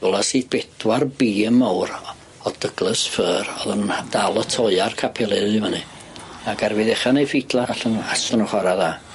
Gwelas i bedwar bîn mowr o o Douglas Fir oddan nw'n hy- dal y toia'r capeli i fyny ac erbyn ddechran eu' ffidla alla nw ast o'n nw chwara dda.